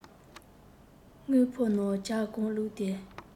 དངུལ ཕོར ནང ཇ གང བླུགས ཏེ